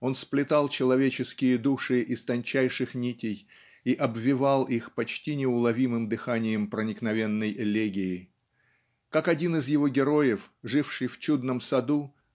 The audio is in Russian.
он сплетал человеческие души из тончайших нитей и обвевал их почти неуловимым дыханием проникновенной элегии. Как один из его героев живший в чудном саду